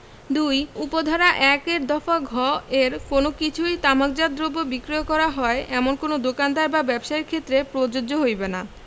২ উপ ধারা ১ এর দফা ঘ এর কোন কিছুই তামাকজাত দ্রব্য বিক্রয় করা হয় এমন কোন দোকানদার বা ব্যবসায়ীর ক্ষেত্রে প্রযোজ্য হইবে না